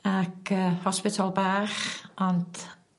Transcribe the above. ...ac yy hospital bach ond